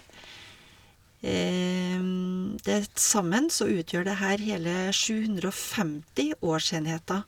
Det t sammen så utgjør det her hele sju hundre og femti årsenheter.